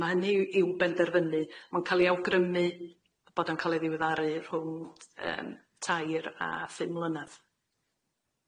Ma' hynny yw i'w benderfynu ma'n ca'l i awgrymu bod o'n ca'l i ddiweddaru rhwng yym tair a phum mlynadd.